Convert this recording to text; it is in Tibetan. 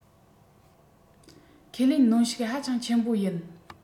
ཁས ལེན གནོན ཤུགས ཧ ཅང ཆེན པོ ཡིན